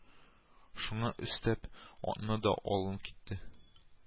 Шуңа өстәп, атны да алын китте